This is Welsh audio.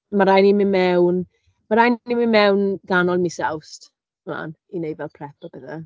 Ma' raid ni mynd mewn, ma' raid ni mynd mewn ganol mis Awst mlaen, i wneud fel prep a pethe.